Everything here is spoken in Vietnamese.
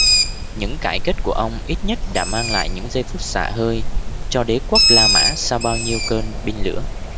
những cải cách của ông ít nhất đã mang lại những giây phút xả hơi cho đế quốc la mã sau bao nhiêu cơn binh lửa